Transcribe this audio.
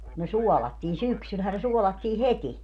kun ne suolattiin syksyllähän ne suolattiin heti